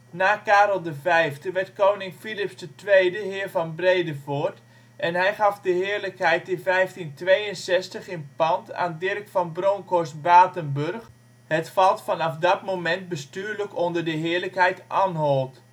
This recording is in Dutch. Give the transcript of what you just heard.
Na Karel V werd koning Filips II heer van Bredevoort en hij gaf de heerlijkheid in 1562 in pand aan Dirk van Bronkhorst-Batenburg. Het valt vanaf dat moment bestuurlijk onder de Heerlijkheid Anholt